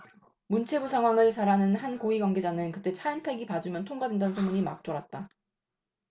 문체부 상황을 잘 아는 한 고위 관계자는 그때 차은택이 봐주면 통과된다는 소문이 막 돌았다